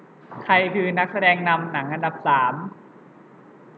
ใครคือนักแสดงนำหนังอันดับสาม